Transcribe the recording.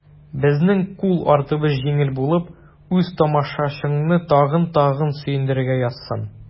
Безнең кул артыбыз җиңел булып, үз тамашачыңны тагын-тагын сөендерергә язсын.